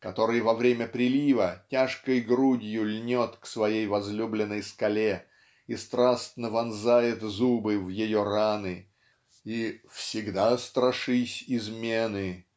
который во время прилива тяжкой грудью льнет к своей возлюбленной скале и страстно вонзает зубы в ее раны и "всегда страшась измены